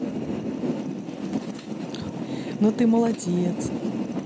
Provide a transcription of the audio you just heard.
ну ты молодец